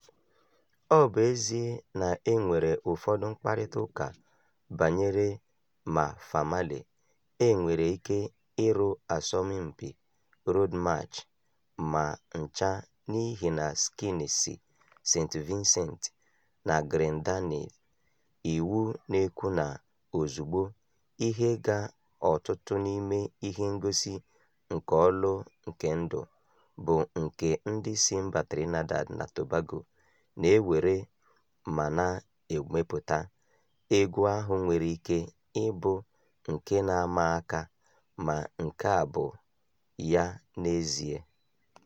Ọ bụ ezie na e nwere ụfọdụ mkparịta ụka banyere ma "Famalay" e nwere ike iru asọmpi Road March ma ncha n'ihi na Skinny si St. Vincent na Grenadines, iwu na-ekwu na ozugbo "ihe ka ọtụtụ n'ime ihe ngosi nke olu nke ndu" bụ "nke ndị si mba Trinidad na Tobago na-ewere ma na-emepụta", egwu ahụ nwere ike ịbụ nke na-ama aka — ma nke a bụ ya n'ezie.